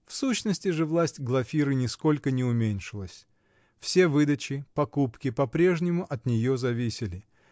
В сущности же власть Глафиры нисколько не уменьшилась: все выдачи, покупки по-прежнему от нее зависели